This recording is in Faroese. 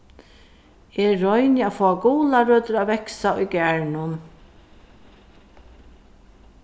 eg royni at fáa gularøtur at vaksa í garðinum